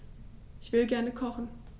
Ich will gerne kochen.